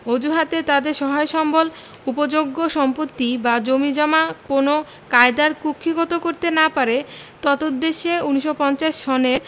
অজুহাতে তাদের সহায় সম্ভল উপযোগ্য সম্পত্তি বা জমিজমা কোনও কায়দায় কুক্ষীগত করতে না পারে তদ্দেশে ১৯৫০ সনে